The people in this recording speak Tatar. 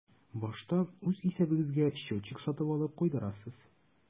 Башта үз исәбегезгә счетчик сатып алып куйдырасыз.